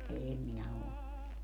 en minä ole ollut